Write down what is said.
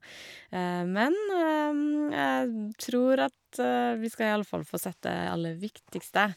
Men jeg tror at vi skal i alle fall få sett det aller viktigste.